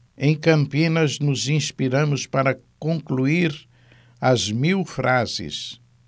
em campinas nos inspiramos para concluir as mil frases